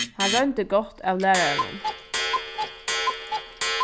hann royndi gott av læraranum